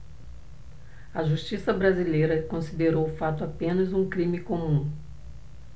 a justiça brasileira considerou o fato apenas um crime comum